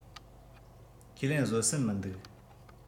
ཁས ལེན བཟོད བསྲན མི ཐུབ